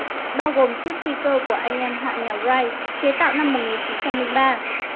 bao gồm chiếc phi cơ của anh em nhà họ wright chế tạo năm